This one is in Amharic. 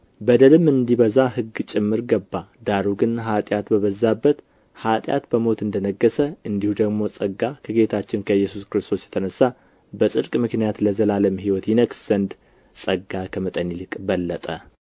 በደልም እንዲበዛ ሕግ ጭምር ገባ ዳሩ ግን ኃጢአት በበዛበት ኃጢአት በሞት እንደ ነገሠ እንዲሁ ደግሞ ጸጋ ከጌታችን ከኢየሱስ ክርስቶስ የተነሣ በጽድቅ ምክንያት ለዘላለም ሕይወት ይነግሥ ዘንድ ጸጋ ከመጠን ይልቅ በለጠ